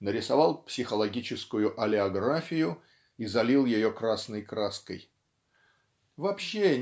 нарисовал психологическую олеографию и залил ее красной краской. Вообще